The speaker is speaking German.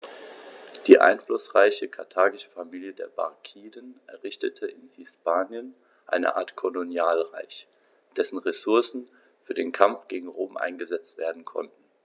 Die einflussreiche karthagische Familie der Barkiden errichtete in Hispanien eine Art Kolonialreich, dessen Ressourcen für den Kampf gegen Rom eingesetzt werden konnten.